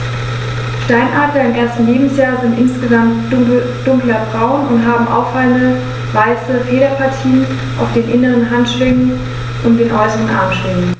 Steinadler im ersten Lebensjahr sind insgesamt dunkler braun und haben auffallende, weiße Federpartien auf den inneren Handschwingen und den äußeren Armschwingen.